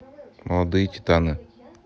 молодые титаны